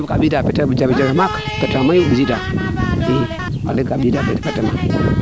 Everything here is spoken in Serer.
kene fop ka ɓisiida pertema jafe jafe maak pertema fa mayu i ɓissida i